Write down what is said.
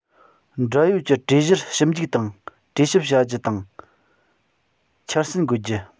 འབྲེལ ཡོད ཀྱི གྲོས གཞིར ཞིབ འཇུག དང གྲོས ཞིབ བྱ རྒྱུ དང འཆར ཟིན འགོད རྒྱུ